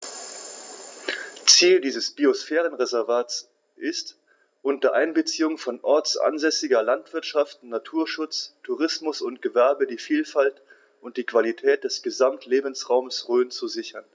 Ziel dieses Biosphärenreservates ist, unter Einbeziehung von ortsansässiger Landwirtschaft, Naturschutz, Tourismus und Gewerbe die Vielfalt und die Qualität des Gesamtlebensraumes Rhön zu sichern.